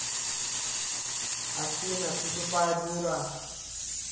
афина ты тупая дура